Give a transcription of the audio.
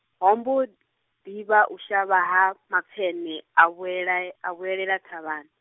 ho mbo, ḓi vha u shavha ha, mapfeṋe, a vhuela-, a vhuelela thavhani.